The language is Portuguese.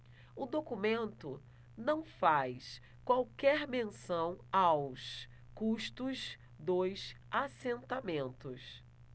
o documento não faz qualquer menção aos custos dos assentamentos